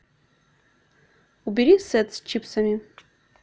убери сет с чипсами